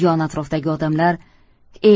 yon atrofdagi odamlar